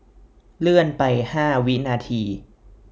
เลื่อนไปห้าวินาที